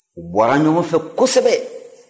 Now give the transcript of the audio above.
u bɔra ɲɔgɔn fɛ kosɛbɛ